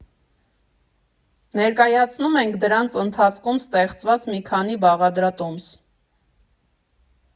Ներկայացնում ենք դրանց ընթացքում ստեղծված մի քանի բաղադրատոմս։